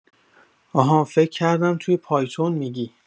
اها فکر کردم تو پایتون می‌گی